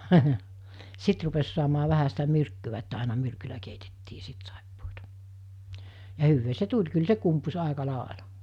sitten rupesi saamaan vähän sitä myrkkyä että aina myrkyllä keitettiin sitten saippuaa ja hyvää se tuli kyllä se kumpusi aika lailla